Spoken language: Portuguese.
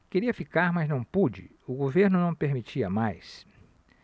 queria ficar mas não pude o governo não permitia mais